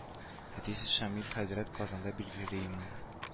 Әтисе шамил хәзрәт казанда билгеле имам